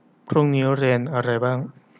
พรุ่งนี้เรียนอะไรบ้าง